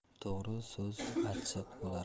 to'g'ri so'z achchiq bo'lar